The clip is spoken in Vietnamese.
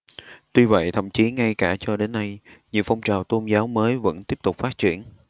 tuy vậy thậm chí ngay cả cho đến nay nhiều phong trào tôn giáo mới vẫn tiếp tục phát triển